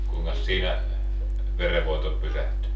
kuinkas siinä verenvuoto pysähtyi